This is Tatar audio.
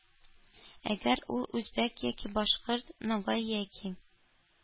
Әгәр ул үзбәк яки башкорт, ногай яки